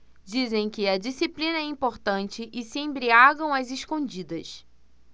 dizem que a disciplina é importante e se embriagam às escondidas